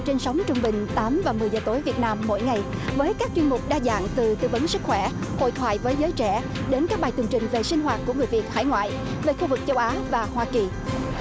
trên sóng trung bình tám và mười giờ tối việt nam mỗi ngày với các chuyên mục đa dạng từ tư vấn sức khỏe hội thoại với giới trẻ đến các bài tường trình về sinh hoạt của người việt hải ngoại về khu vực châu á và hoa kỳ